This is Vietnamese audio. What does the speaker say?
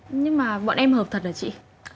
nhưng mà bọn em hợp thật hả chị